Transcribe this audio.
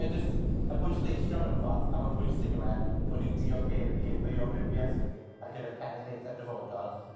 Mae jyst... yn pwysleisio, mewn ffordd, pa mor bwysig yw e bo' ni'n diogelu ein bioamrywieth ni ar gyfer cenedlaethe'r dyfodol,